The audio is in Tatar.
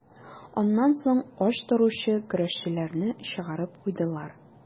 Аннан соң ач торучы көрәшчеләрне чыгарып куйдылар.